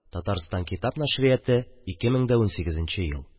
Татарстан китап нәшрияты 2018 ел